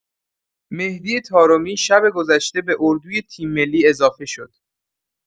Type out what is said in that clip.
مهدی طارمی شب گذشته به اردوی تیم‌ملی اضافه شد.